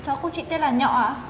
chó của chị tên là nhọ ạ